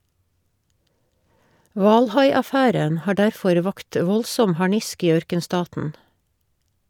Hvalhaiaffæren har derfor vakt voldsom harnisk i ørkenstaten.